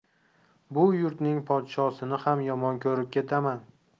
bu yurtning podshosini ham yomon ko'rib ketaman